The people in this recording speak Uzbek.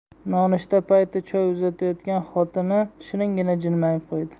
nonushta payti choy uzatayotgan xotini shiringina jilmayib qo'ydi